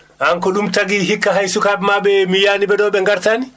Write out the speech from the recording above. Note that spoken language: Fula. aan ko ɗum tagi hikka hay sukaaɓe maa ɓee mi yiyaani ɓe ɗoo ɓe ngartaani